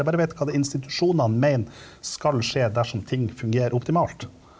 jeg bare vet hva det er institusjonene meiner skal skje dersom ting fungerer optimalt.